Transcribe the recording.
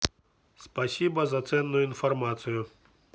спасибо за ценную информацию